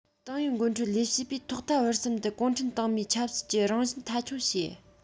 ཏང ཡོན འགོ ཁྲིད ལས བྱེད པས ཐོག མཐའ བར གསུམ དུ གུང ཁྲན ཏང མིའི ཆབ སྲིད ཀྱི རང བཞིན མཐའ འཁྱོངས བྱས